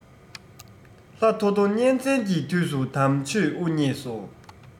ལྷ ཐོ ཐོ གཉན བཙན གྱི དུས སུ དམ ཆོས དབུ བརྙེས སོ